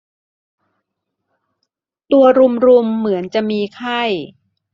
ตัวรุมรุมเหมือนจะมีไข้